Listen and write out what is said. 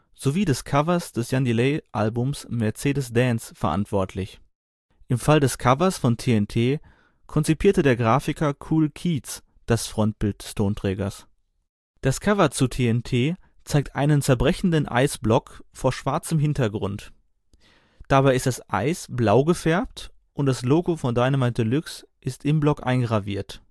sowie des Covers des Jan-Delay-Albums Mercedes Dance verantwortlich. Im Fall des Covers von TNT konzipierte der Grafiker Kool Keats das Front-Bild des Tonträgers. Das Cover zu TNT zeigt einen zerbrechenden Eisblock vor schwarzem Hintergrund. Dabei ist das Eis blau gefärbt und das Logo von Dynamite Deluxe ist im Block eingraviert